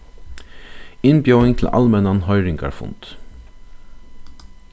innbjóðing til almennan hoyringarfund